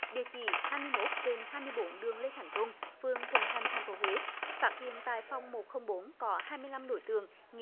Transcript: địa chỉ hai mươi mốt trên hai mươi bốn đường lê thánh tôn phường thuận thành thành phố huế phát hiện tại phòng một không bốn có hai mươi lăm đối tượng nghi